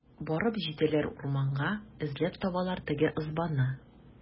Барып җитәләр урманга, эзләп табалар теге ызбаны.